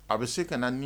A bɛ se ka na ni